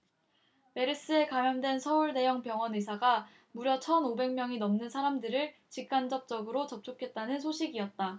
메르스에 감염된 서울 대형 병원 의사가 무려 천 오백 명이 넘는 사람들을 직 간접으로 접촉했다는 소식이었다